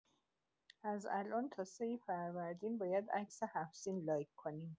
از الان تا ۳ فروردین باید عکس هفت‌سین لایک کنیم!